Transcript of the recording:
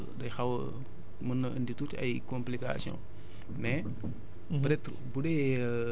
te parfois c' est un petit peu day xaw a mun na andi tuuti ay complications mais